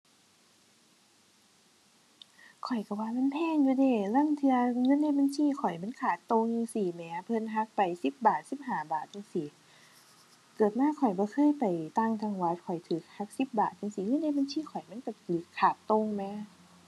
ข้อยก็ว่ามันแพงอยู่เดะ ลางเทื่อเงินในบัญชีข้อยมันขาดต่งจั่งซี้แหม เพิ่นหักไปสิบบาทสิบห้าบาทจั่งซี้ เกิดมาข้อยบ่เคยไปต่างจังหวัด ข้อยก็หักสิบบาท จั่งซี้เงินในบัญชีข้อยมันก็ก็ขาดต่งแหม